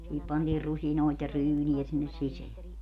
siihen pantiin rusinoita ja ryynejä sinne sisään